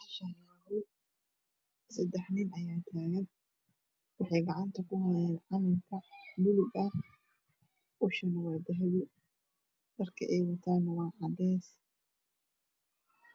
Meeshaan waa hool seddex nin ayaa taagan waxay gacanta ku hayaan calan buluug ah u shana waa dahabi dharka ay wataana waa cadeys